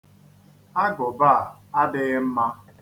Agụba a adịghị mma.